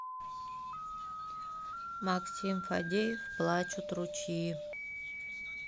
максим фадеев плачут ручьи